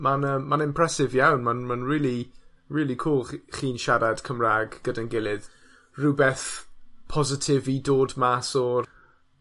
...ma'n yym ma'n impressive iawn ma'n ma'n rili rili cŵl ch- chi'n siarad Cymrag gyda'n gilydd, rhywbeth positif i dod mas o'r